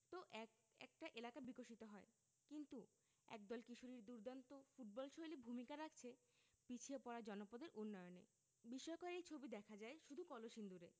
তো এক একটা এলাকা বিকশিত হয় কিন্তু একদল কিশোরীর দুর্দান্ত ফুটবলশৈলী ভূমিকা রাখছে পিছিয়ে পড়া জনপদের উন্নয়নে বিস্ময়কর এই ছবি দেখা যায় শুধু কলসিন্দুরে